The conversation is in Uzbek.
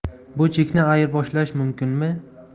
bu chekni ayirboshlash mumkinmi